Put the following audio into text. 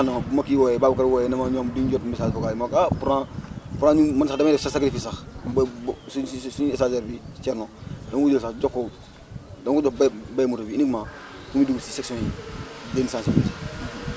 man mii jaaxal na ma bi ma kii wooyee Babacar wooyee ne ma ñoom duñ jot message vocal yi ma ne ko ah pourtant pourtant man sax damay def sacrifice sax ba bu suñ suñ stagiare bi Thierno dama mujjee sax jox ko dama ko jox be benn moto bi uniquement pour mu dugg si sections yi jéem sensibiliser